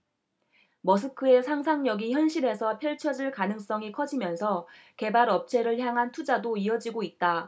머스크의 상상력이 현실에서 펼쳐질 가능성이 커지면서 개발업체를 향한 투자도 이어지고 있다